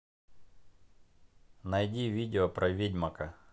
найди видео про ведьмака